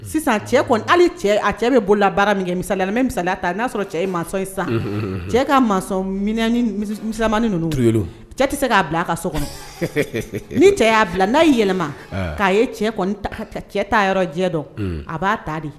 Sisan cɛ kɔni hali cɛ a cɛ bɛ bolola baara min kɛ misala misala ta n' y'a sɔrɔ cɛ ye mansa in san cɛ kamaninin ninnu cɛ tɛ se k'a bila a ka so kɔnɔ ni cɛ y'a bila n'a yɛlɛma k'a ye cɛ ka cɛ ta yɔrɔ diɲɛ dɔn a b'a ta di